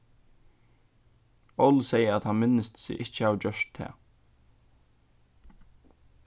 óli segði at hann minnist seg ikki hava gjørt tað